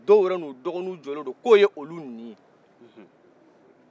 dɔw yɛrɛw n'u dɔgɔniw jɔlen don ko ye ulu nin ye nhun